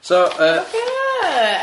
So yy. Ocê!